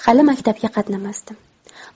hali maktabga qatnamasdim